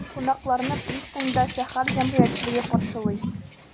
Кунакларны пристаньда шәһәр җәмәгатьчелеге каршылый.